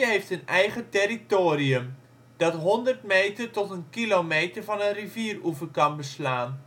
heeft een eigen territorium, dat honderd meter tot een kilometer van een rivieroever kan beslaan